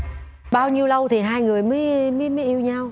bao nhiêu lâu thì hai người mới mới mới yêu nhau